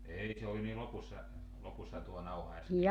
ei se oli niin lopussa lopussa tuo nauha äsken